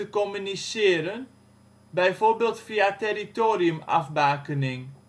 communiceren, bijvoorbeeld via territoriumafbakening